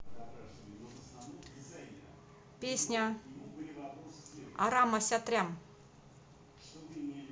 песня aram asatryan